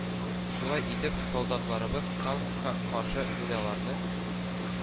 Шулай итеп, солдатларыбыз танкка каршы миналарны